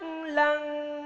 lăng